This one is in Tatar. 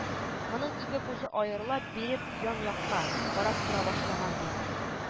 Моның ике күзе аерыла биреп ян-якка карап тора башлаган, ди